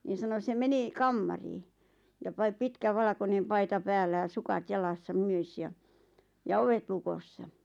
niin sanoi se meni kamariin ja - pitkä valkoinen paita päällä ja sukat jalassa myös ja ja ovet lukossa